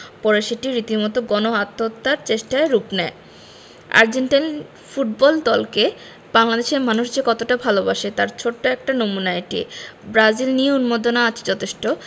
পরে সেটি রীতিমতো গণ আত্মহত্যার চেষ্টায় রূপ নেয় আর্জেন্টাইন ফুটবল দলকে বাংলাদেশের মানুষ যে কতটা ভালোবাসে তার ছোট্ট একটা নমুনা এটি ব্রাজিল নিয়েও উন্মাদনা আছে যথেষ্ট